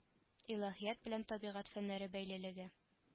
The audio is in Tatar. Илаһият белән табигать фәннәре бәйлелеге